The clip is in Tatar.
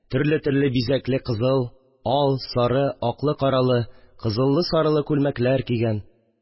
Төрле-төрле бизәкле кызыл, ал, сары, аклы-каралы, кызыллы-сарылы күлмәкләр кигән